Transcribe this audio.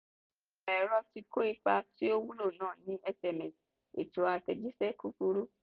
Ìmọ̀-ẹ̀rọ tí ó kò ipa tí ó wúlò náà ni SMS (Ètò Àtẹ̀jíṣẹ́ Kúkúrú).